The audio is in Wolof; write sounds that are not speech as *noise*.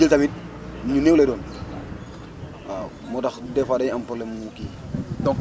su ñuy jël tamit lu néew lay doon *noise* waaw moo tax des fois dañuy am problème mu kii